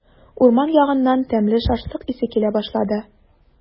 Урман ягыннан тәмле шашлык исе килә башлады.